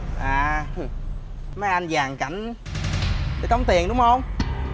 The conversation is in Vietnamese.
à mấy anh dàn cảnh để tống tiền đúng không